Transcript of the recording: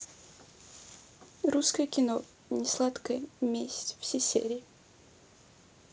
русское кино несладкая месть все серии